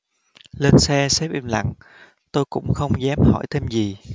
lên xe sếp im lặng tôi cũng không dám hỏi thêm gì